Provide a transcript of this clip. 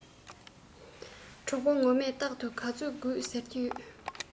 གྲོགས པོ ངོ མས རྟག དུ ག ཚོད དགོས ཟེར གྱི ཡོད